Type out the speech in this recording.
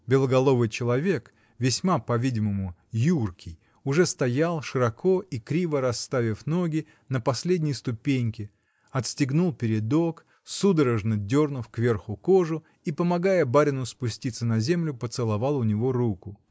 Белоголовый человек, весьма, по-видимому, юркий, уже стоял, широко и криво расставив ноги, на последней ступеньке, отстегнул передок, судорожно дернув кверху кожу, и, помогая барину спуститься на землю, поцеловал у него руку.